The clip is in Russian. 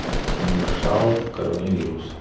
тимур шаов коронавирус